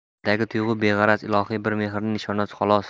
mendagi tuyg'u beg'araz ilohiy bir mehrning nishonasi xolos